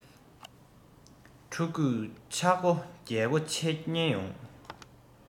ཕྲུ གུས ཆག སྒོའི རྒྱལ སྒོ ཕྱེ ཉེན ཡོད